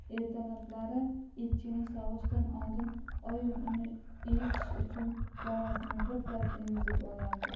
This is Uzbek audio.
ertalablari echkini sog'ishdan oldin oyim uni iyitish uchun bolasini birpas emizib olardi